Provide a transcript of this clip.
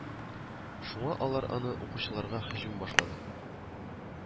Шуңа алар аны укучыларга һөҗүм башлады